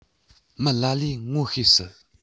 མི ལ ལ ངོ ཤེས སྲིད